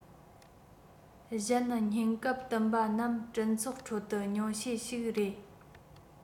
གཞན ཉེན སྐབས བསྟུན པ རྣམས སྤྱི ཚོགས ཁྲོད དུ ཉུང ཤས ཤིག རེད